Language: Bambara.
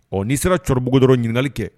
Ɔ' sera cɛkɔrɔbabugu dɔrɔn ɲininkali kɛ